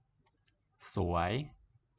สวย